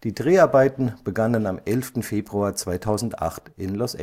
Dreharbeiten begannen am 11. Februar 2008 in Los